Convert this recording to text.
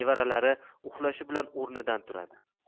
nevaralari uxlashi bilan o'rnidan turadi